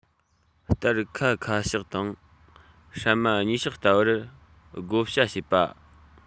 སྟར ཁ ཁ བཤགས དང སྲན མ ཉིས བཤགས ལྟ བུར བགོ བཤའ བྱེད པ